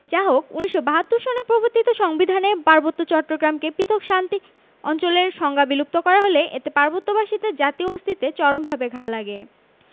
যাহোক ১৯৭২ সনে প্রবর্তিত সংবিধানে পার্বত্য চট্টগ্রামের পৃথক শান্তি অঞ্চলের সংজ্ঞা বিলুপ্ত করা হলে এতে পার্বত্যবাসীদের জাতীয় অস্তিত্বে চরমভাবে ঘা লাগে